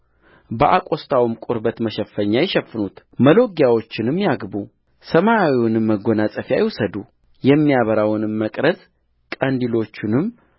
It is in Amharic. በአቆስጣውም ቁርበት መሸፈኛ ይሸፍኑት መሎጊያዎቹንም ያግቡሰማያዊውንም መጐናጸፊያ ይውሰዱ የሚያበራውንም መቅረዝ ቀንዲሎቹንም